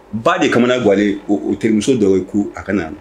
Ba de kamanawalen o terimuso dɔw ye ko a ka na